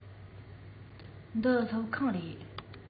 འདི སློབ ཁང རེད